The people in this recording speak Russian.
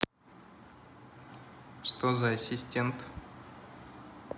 что за ассистент